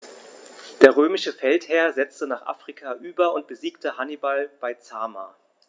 Der römische Feldherr setzte nach Afrika über und besiegte Hannibal bei Zama.